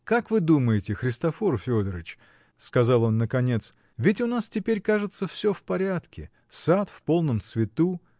-- Как вы думаете, Христофор Федорыч, -- сказал он наконец, -- ведь у нас теперь, кажется, все в порядке, сад в полном цвету.